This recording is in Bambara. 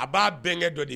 A b'a bɛnkɛ dɔ di